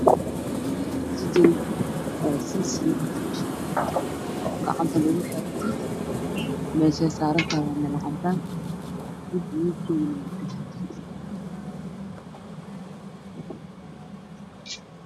Waakatiin midabkiisa yahay dahabi waa jijin waxay dul saaran tahay miis midabkiisu yahay caddaan